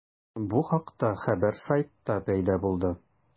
Бу хакта хәбәр сайтта пәйда булды.